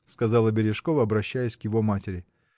— сказала Бережкова, обращаясь к его матери.